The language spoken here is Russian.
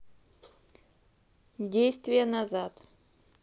действие назад